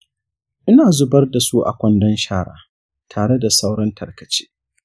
ina zubar da su a kwandon shara tare da sauran tarkace.